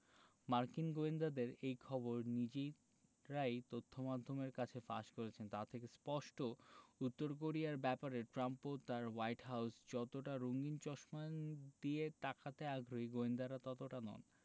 মার্কিন গোয়েন্দাদের এই খবর নিজেরাই তথ্যমাধ্যমের কাছে ফাঁস করেছেন তা থেকে স্পষ্ট উত্তর কোরিয়ার ব্যাপারে ট্রাম্প ও তাঁর হোয়াইট হাউস যতটা রঙিন চশমা দিয়ে তাকাতে আগ্রহী গোয়েন্দারা ততটা নন